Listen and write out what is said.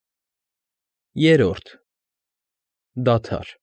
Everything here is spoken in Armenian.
ԵՐՐՈՐԴ ԴԱԴԱՐ։